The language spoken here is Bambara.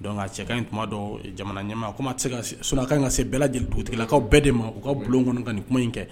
Don ka cɛ in tuma don jamana ɲɛmaa kuma se ka so kan ka se bɛɛ lajɛlen dugutigikaw bɛɛ de ma k ka bulon kɔnɔ ka nin kuma in kɛ